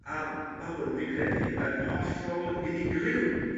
A ma' hwn fi'n credu yn hollol unigryw